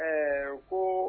Ɛ ɛ ko